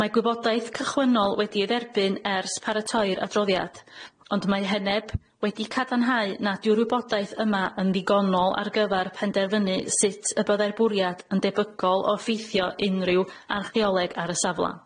Mae gwybodaeth cychwynnol wedi'i dderbyn ers paratoi'r adroddiad, ond mae heneb wedi cadarnhau nad yw'r wybodaeth yma yn ddigonol ar gyfar penderfynu sut y byddai'r bwriad yn debygol o effeithio unrhyw archeoleg ar y safla.